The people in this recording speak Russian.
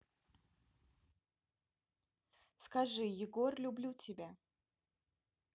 скажи егор люблю тебя